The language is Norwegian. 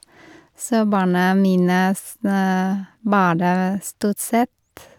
Så barna mine s bada stort sett.